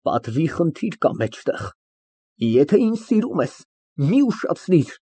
Պատվի խնդիր կա մեջտեղ։ Եթե ինձ սիրում ես ֊ մի ուշացնիր։